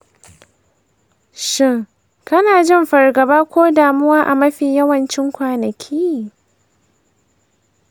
shin kana jin fargaba ko damuwa a mafi yawancin kwanaki?